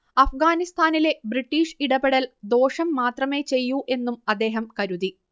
അഫ്ഗാനിസ്താനിലെ British ഇടപെടൽ ദോഷം മാത്രമേ ചെയ്യൂ എന്നും അദ്ദേഹം കരുതി